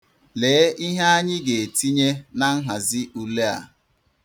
Lee ihe anyị ga-etinye na nhazi ule a.